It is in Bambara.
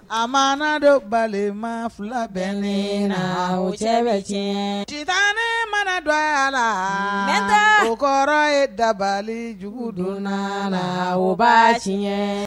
A madon bali ma fila bɛnen na cɛ bɛ tiɲɛ sitan ne mana don a la ne tɛ kɔrɔ ye dabali jugu donna la o baasi tiɲɛ